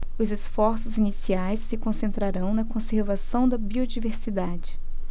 os esforços iniciais se concentrarão na conservação da biodiversidade